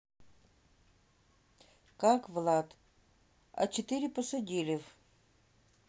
как влад а четыре посадили в